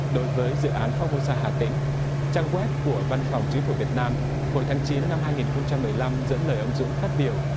đối với dự án phóc mô xa hà tĩnh trang goép của văn phòng chính phủ việt nam hồi tháng chín năm hai nghìn không trăm mười lăm dẫn lời ông dũng phát biểu